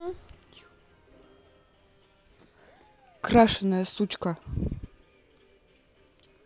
крашенная сучка